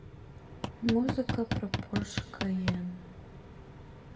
музыка про порш кайен